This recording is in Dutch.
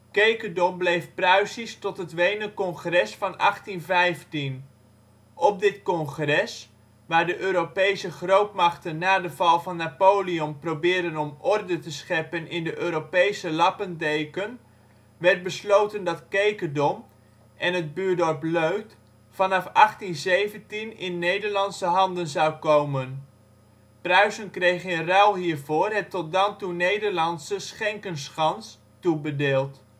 Kekerdom bleef Pruisisch tot het Wener Congres van 1815. Op dit congres, waar de Europese grootmachten na de val van Napoleon probeerden om orde te scheppen in de Europese lappendeken, werd besloten dat Kekerdom (en het buurdorp Leuth) vanaf 1817 in Nederlandse handen zou komen. Pruisen kreeg in ruil hiervoor het tot dan toe Nederlandse Schenkenschans toebedeeld. Vanaf